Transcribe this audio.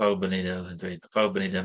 Pawb yn wneud e, oedd e'n dweud. Pawb yn wneud e.